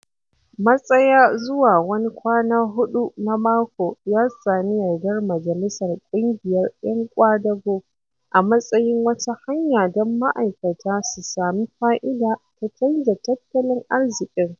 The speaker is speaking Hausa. Matsaya zuwa wani kwana huɗu na mako ya sami yardar Majalisar Ƙungiyar 'Yan Ƙwadago a matsayin wata hanya don ma'aikata su sami fa'ida ta canza tattalin arzikin.